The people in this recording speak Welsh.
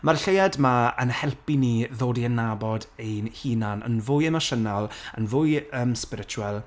Mae'r lleuad 'ma yn helpu ni, ddod i adnabod ein hunan yn fwy emosiynol, yn fwy, yym, spiritual.